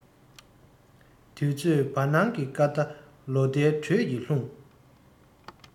དུས ཚོད བར སྣང གི སྐར མདའ ལོ ཟླའི འགྲོས ཀྱིས ལྷུང